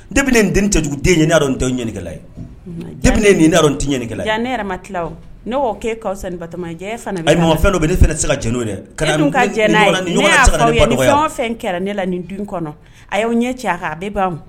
Deini nin den tɛjuguden ɲ ɲininkɛla ye de nin tɛ ɲininkɛla ne yɛrɛma ne kɛ dɔ bɛ ne tɛ ka jɛnɛ dɛ kɛra ne la nin dun kɔnɔ a y'aw ɲɛ cɛ a bɛ ban